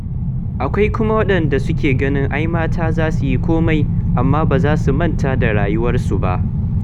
Akwai kuma waɗanda suke ganin ai mata za su yi komai, amma ba za su manta da "rawarsu" ba